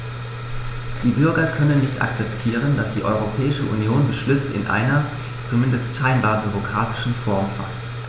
Die Bürger können nicht akzeptieren, dass die Europäische Union Beschlüsse in einer, zumindest scheinbar, bürokratischen Form faßt.